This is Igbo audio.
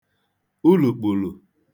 ulùkpùlù